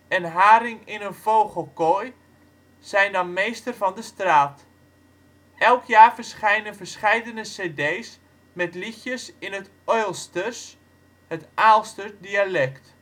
en haring in een vogelkooi zijn dan meester van de straat. Elk jaar verschijnen verscheidene cd 's met liedjes in het Oilsjters (Aalsters) dialect